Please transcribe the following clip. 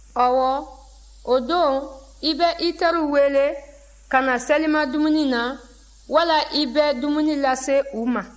ɔwɔ o don i bɛ i teriw wele ka na selimadumuni na wala i bɛ dumuni lase u ma